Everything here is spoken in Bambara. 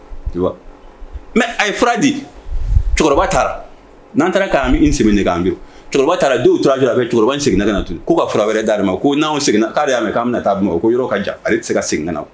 A ye fura di cɛkɔrɔba taara n'an taara k' sɛbɛn bi cɛkɔrɔba taara tora a bɛ cɛkɔrɔba seginna na to k'u kaura wɛrɛɛrɛ d ma ko'aw seginna y'a' bɛna taa o ko yɔrɔ ka jan ale tɛ se ka segin na